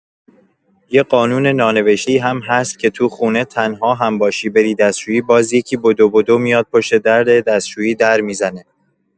یه قانون نانوشته‌ای هم هست که تو خونه تنها هم‌باشی بری دستشویی باز یکی بدو بدو میاد پشت در دستشویی در می‌زنه.